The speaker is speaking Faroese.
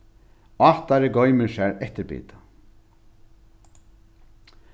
átari goymir sær eftirbita